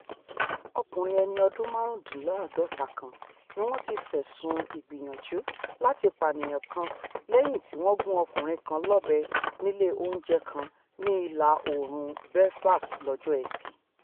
Ọkùnrin ẹni ọdún márùndínláàdọ́ta kan ní wọ́n ti fẹ̀sùn ìgbìyànjú láti pànìyàn kàn lẹ́yìn tíwọ́n gún ọkùnrin kan lọ́bẹ nílé oúnjẹ kan ní ìlà-oòrùn Belfast lọ́jọ́ Ẹtì.